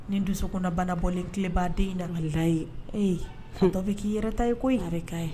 Ni dusu kɔnɔbanabɔlenbaden in laya ye ee f bɛ k'i yɛrɛ ta ye ko ye yɛrɛ bɛ' ye